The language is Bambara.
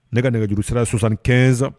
Ne ka nɛgɛj juruuru sira sonsanɛnsan